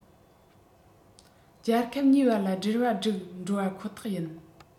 རྒྱལ ཁབ གཉིས བར ལ འབྲེལ བ བསྒྲིབས འགྲོ བ ཁོ ཐག ཡིན